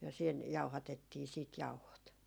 ja siinä jauhatettiin sitten jauhot